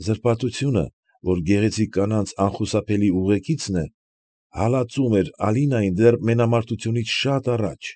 Զրպարտությունը, որ գեղեցիկ կանանց անխուսափելի ուղեկիցն է, հալածում է Ալինային դեռ մենամարտությունից շատ առաջ։